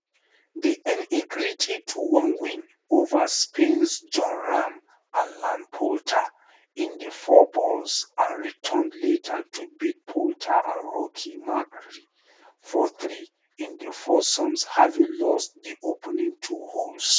They earned a gritty 2&1 win over Spain's Jon Rahm and Ian Poulter in the fourballs and returned later to beat Poulter and Rory McIlroy 4&3 in the foursomes having lost the opening two holes.